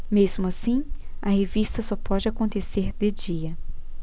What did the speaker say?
mesmo assim a revista só pode acontecer de dia